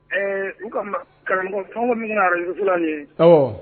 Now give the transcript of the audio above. Ɛɛ u ka karamɔgɔ fɛn min arajsu ye ɔ